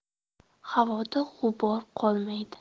havoda g'ubor qolmaydi